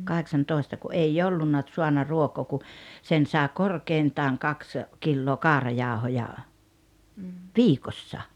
kahdeksantoista kun ei ollut saanut ruokaa kun sen sai korkeintaan kaksi kiloa kaurajauhoja viikossa